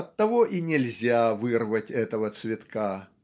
Оттого и нельзя вырвать этого цветка